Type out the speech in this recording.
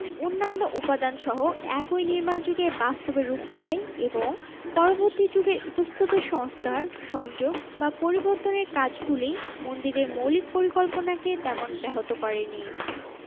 অন্যান্য উপাদানসহ একই নির্মাণযুগে বাস্তবে রূপ পায় এবং পরবর্তী যুগের ইতস্তত সংস্কার সংযোগ বা পরিবর্তনের কাজগুলি মন্দিরের মৌলিক পরিকল্পনাকে তেমন ব্যাহত করে নি